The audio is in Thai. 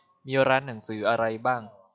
มีร้านหนังสืออะไรบ้าง